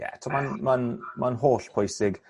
Te 'to ma'n ma'n ma'n holl pwysig